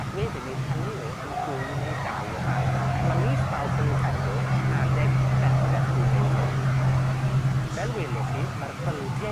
ac wedyn 'i rhannu nw yn dwy neu dair rhan. Ac ma' mis Mawrth a mis Ebrill yn adeg berffeth i wneud hyn. Fel welwch chi, ma'r bylbie